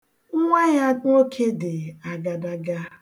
Nwa ya nwoke dị agadaga.